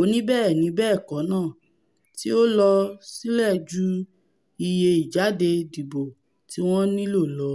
oníbẹ́ẹ̀ni-bẹ́ẹ̀kọ́ náà - tí o ́lọ sílẹ̀ ju iye ìjáde-dìbò tíwọ́n nílò lọ.